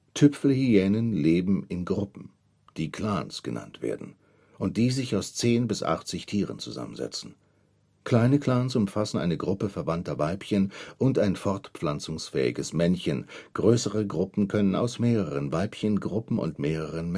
Tüpfelhyänen leben in Gruppen, die „ Clans “genannt werden, und die sich aus zehn bis achtzig Tieren zusammensetzen. Kleine Clans umfassen eine Gruppe verwandter Weibchen und ein fortpflanzungsfähiges Männchen, größere Gruppen können aus mehreren Weibchengruppen und mehreren